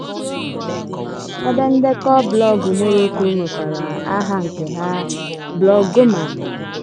Ebe ndekọ blọọgụ Morocco nwekwara aha nke ya - Blogoma.